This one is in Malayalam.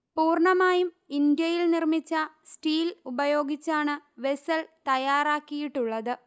പൂർണ്ണമായും ഇന്ത്യയിൽ നിർമ്മിച്ച സ്റ്റീൽ ഉപയോഗിച്ചാണ് വെസൽ തയ്യാറാക്കിയിട്ടുള്ളത്